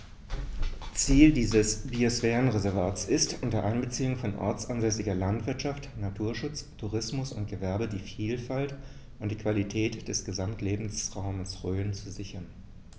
Ziel dieses Biosphärenreservates ist, unter Einbeziehung von ortsansässiger Landwirtschaft, Naturschutz, Tourismus und Gewerbe die Vielfalt und die Qualität des Gesamtlebensraumes Rhön zu sichern.